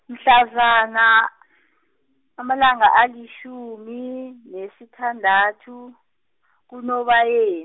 mhlazana , amalanga alitjhumi nesithandathu, kuNobaye-.